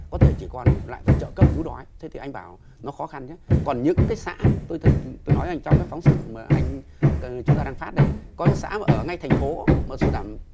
có thể chỉ còn lại phải trợ cấp cứu đói thế thì anh bảo nó khó khăn nhất còn những cái xã tôi thấy tôi nói anh trong phóng sự mà anh chúng ta đang phát đây có những xã ở ngay thành phố mà sổ đẳng